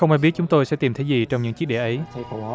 không ai biết chúng tôi sẽ tìm thấy gì trong những chiếc đĩa ấy